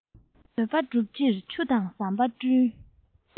འདོད པ སྒྲུབ ཕྱིར ཆུ དང ཟམ སོགས སྤྲུལ